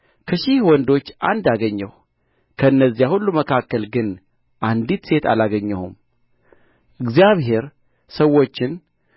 ከሺህ ወንዶች አንድ አገኘሁ ከእነዚያ ሁሉ መካከል ግን አንዲት ሴት አላገኘሁም እግዚአብሔር ሰዎችን